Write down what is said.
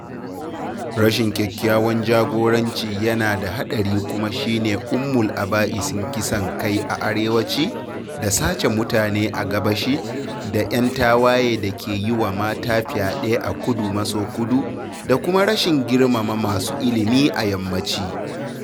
Rashin Kyakkyawan Jagoranci yana da haɗari kuma shi ne ummul-aba'isin kisan kai a arewaci da sace mutane a gabashi da ‘yan tawaye da ke yi wa mata fyaɗe a Kudu maso Kudu da kuma rashin girmama masu ilimi a yammaci.